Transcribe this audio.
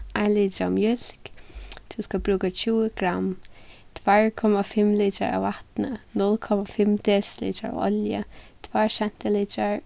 ein litur av mjólk tú skalt brúka tjúgu gramm tveir komma fimm litrar av vatni null komma fimm desilitrar av olju tveir sentilitrar